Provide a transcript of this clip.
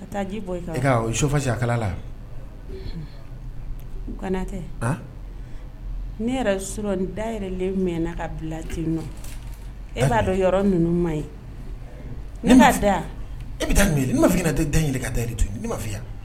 Taa ji i sofa kala la kana tɛ ne yɛrɛ sɔrɔ da yɛrɛlen mɛn ka bila ten nɔ e b'a dɔn yɔrɔ ninnu ma ye ne'a da e bɛ taa nefin i tɛ da ɲini ka da to ma